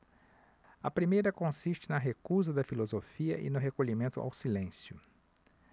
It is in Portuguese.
a primeira consiste na recusa da filosofia e no recolhimento ao silêncio